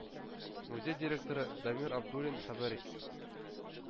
Музей директоры дамир абдуллин хәбәр иттте.